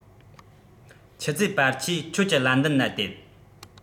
ཁྱི ཙེ པར ཆས ཁྱོད ཀྱི ལ མདུན ན དེད